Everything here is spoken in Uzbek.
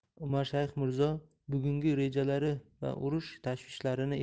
umarshayx mirzo bugungi rejalari va urush tashvishlarini